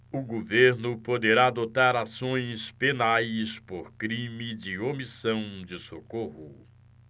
o governo poderá adotar ações penais por crime de omissão de socorro